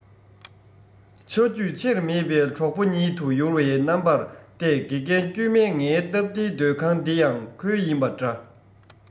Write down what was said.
ཆ རྒྱུས ཆེར མེད པའི གྲོགས པོ གཉིད དུ ཡུར བའི རྣམ པར བལྟས དགེ རྒན དཀྱུས མ ངའི སྟབས བདེའི སྡོད ཁང འདི ཡང ཁོའི ཡིན པ འདྲ